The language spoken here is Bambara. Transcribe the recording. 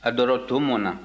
a dɔ rɔ to mɔna